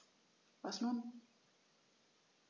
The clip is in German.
Was nun?